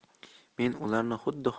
men ularni xuddi